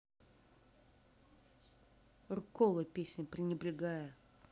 руккола песня пренебрегая